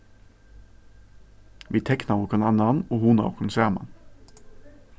vit teknaðu hvønn annan og hugnaðu okkum saman